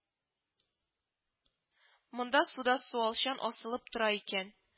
Монда суда суалчан асылып тора икән